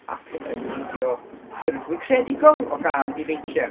Ac yn ffeindio ffyrdd fwy creadigol o gael eu beicia.